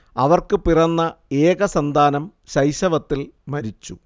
അവർക്കു പിറന്ന ഏകസന്താനം ശൈശവത്തിൽ മരിച്ചു